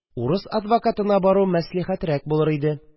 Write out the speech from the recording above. – урыс адвокатына бару мәслихәтрәк булыр иде.